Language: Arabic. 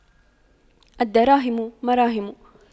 الدراهم مراهم